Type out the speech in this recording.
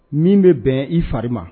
Min bɛ bɛn i fari ma